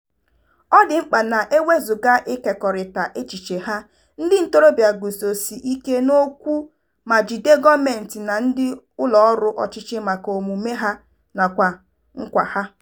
Ọ dị mkpa na e wezuga ịkekọrịta echiche ha, ndị ntorobịa guzosi ike n'okwu ma jide gọọmentị na ndị ụlọọrụ ọchịchị maka omume ha nakwa nkwa ha.